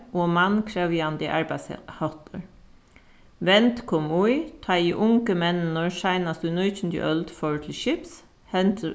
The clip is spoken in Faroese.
og mannkrevjandi arbeiðis háttur vend kom í tá ið ungu menninir seinast í nítjandu øld fóru til skips